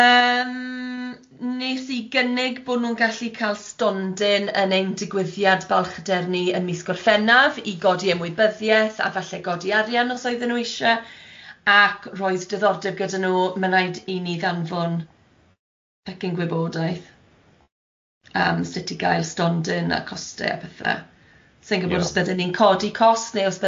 yym wnes i gynnig bod nhw'n gallu cael stondin yn ein digwyddiad balchder ni yn mis Gorffennaf i godi ymwybyddieth a falle codi arian os oeddwn nhw isie ac roedd diddordeb gyda nhw i ni anfon pecyn gwybodaeth yym sut i gael stondin a coste a petha. Sai'n gwybod os bydden ni'n codi cost ne' os bydden ni'n